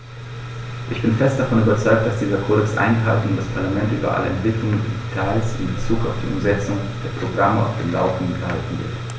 Ich bin fest davon überzeugt, dass dieser Kodex eingehalten und das Parlament über alle Entwicklungen und Details in bezug auf die Umsetzung der Programme auf dem laufenden gehalten wird.